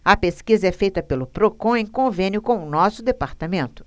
a pesquisa é feita pelo procon em convênio com o diese